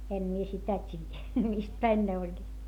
en minä sitä tiedä mistä päin ne olivat